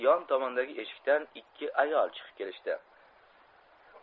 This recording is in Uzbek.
yon tomondagi eshikdan ikki ayol chiqib kelishdi